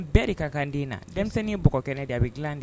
Bɛɛ de ka kanden na denmisɛnnin bɔgɔ kɛnɛ da bɛ dilan de